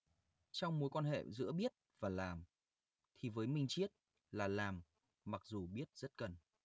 trong mối quan hệ giữa biết và làm thì với minh triết là làm mặc dù biết rất cần